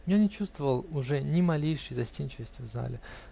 я не чувствовал уже ни малейшей застенчивости в зале.